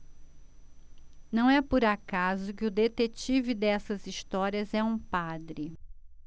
não é por acaso que o detetive dessas histórias é um padre